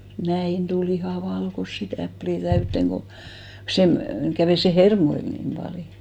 näin tuli ihan valkoisia täpliä täyteen kun sen kävi se hermoille niin paljon